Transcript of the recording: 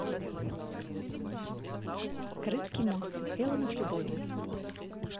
крымский мост сделано с любовью